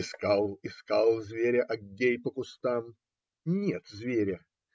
Искал, искал зверя Аггей по кустам - нет зверя.